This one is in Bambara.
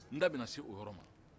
n da bɛna se o yɔrɔ ma